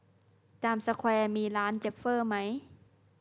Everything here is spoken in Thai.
จามสแควร์มีร้านเจฟเฟอร์ไหม